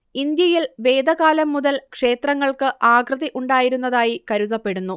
ഇന്ത്യയിൽ വേദകാലം മുതൽ ക്ഷേത്രങ്ങൾക്ക് ആകൃതി ഉണ്ടായിരുന്നതായി കരുതപ്പെടുന്നു